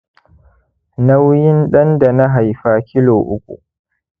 nauyin dan da na haifa kilo uku.